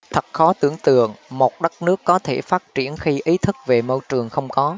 thật khó tưởng tượng một đất nước có thể phát triển khi ý thức về môi trường không có